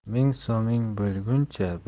ming so'ming bo'lguncha